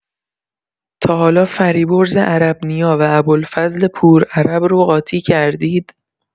تا حالا فریبرز عرب‌نیا و ابوالفضل پورعرب رو قاطی کردید؟